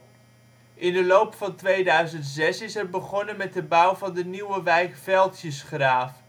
In de loop van 2006 is er begonnen met de bouw van de nieuwe wijk Veldjesgraaf